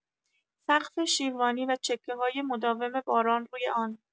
سقف شیروانی و چکه‌های مداوم باران روی آن